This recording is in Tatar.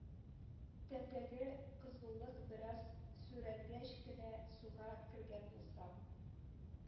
Тәндәге кызулык бераз сүрелгәч кенә суга кергән булсам,